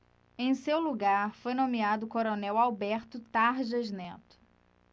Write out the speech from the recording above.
em seu lugar foi nomeado o coronel alberto tarjas neto